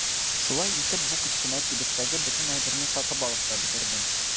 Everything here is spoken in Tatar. Шулай итеп бу кечкенә кибеттәге бөтен әйберне сатып алып та бетердем.